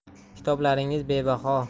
kitoblaringiz bebaho